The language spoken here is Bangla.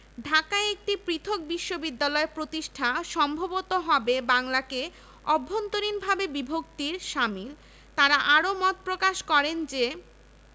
জগন্নাথ কলেজের অধ্যক্ষ ললিতমোহন চট্টোপাধ্যায় ঢাকা মাদ্রাসার পরবর্তীকালে ইসলামিক ইন্টারমিডিয়েট কলেজ বর্তমান কবি নজরুল সরকারি কলেজ